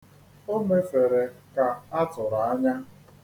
O mefere ka a tụrụ anya.